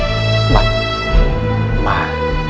bên ngoài